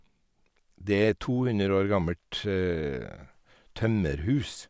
Det er et to hundre år gammelt tømmerhus.